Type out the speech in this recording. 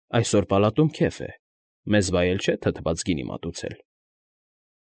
Այսօր պալատում քեֆ է, մեզ վայել չէ թթված գինի մատուցել։